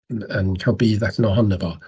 Yn yn cael budd allan ohono fo.